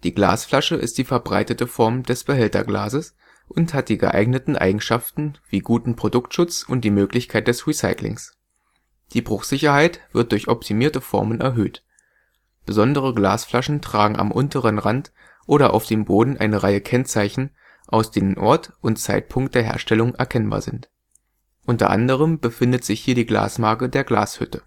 Glasflasche ist die verbreitete Form des Behälterglases und hat die geeigneten Eigenschaften wie guten Produktschutz und die Möglichkeit des Recyclings. Die Bruchsicherheit wird durch optimierte Formen erhöht. Besondere Glasflaschen tragen am unteren Rand oder auf dem Boden eine Reihe Kennzeichen, aus denen Ort und Zeitpunkt der Herstellung erkennbar sind. Unter anderem befindet sich hier die Glasmarke der Glashütte